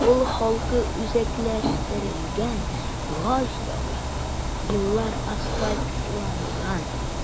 Авыл халкы үзәкләштерелгән газ яга, юллар асфальтланган.